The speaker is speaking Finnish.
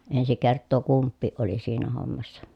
ensi kertaa kumpikin oli siinä hommassa